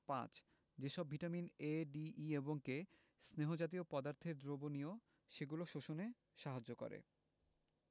৫. যে সব vitamin A D E এবং কে স্নেহ জাতীয় পদার্থ দ্রবণীয় সেগুলো শোষণে সাহায্য করে